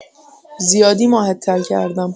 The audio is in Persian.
زیادی معطل کردم.